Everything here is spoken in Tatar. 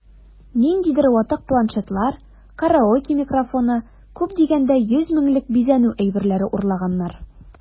Ниндидер ватык планшетлар, караоке микрофоны(!), күп дигәндә 100 меңлек бизәнү әйберләре урлаганнар...